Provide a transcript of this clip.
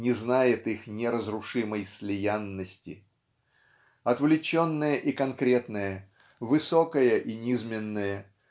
не знает их неразрушимой слиянности. Отвлеченное и конкретное высокое и низменное